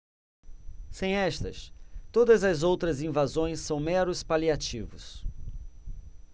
sem estas todas as outras invasões são meros paliativos